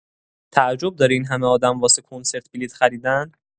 تعجب داره اینهمه آدم واسه کنسرت بلیط خریدن؟